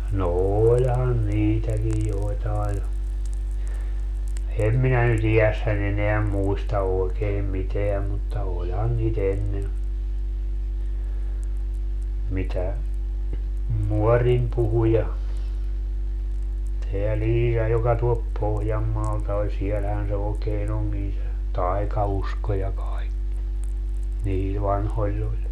no olihan niitäkin joitain ja en minä nyt iässäni enää muista oikein mitään mutta olihan niitä ennen mitä muorini puhui ja tämä Liija joka tuolta Pohjanmaalta oli siellähän se oikein onkin se taikausko ja kaikki niillä vanhoilla oli